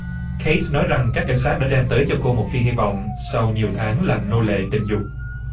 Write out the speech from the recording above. kết nói rằng các cảnh sát đã đem tới cho cô một tia hy vọng sau nhiều tháng làm nô lệ tình dục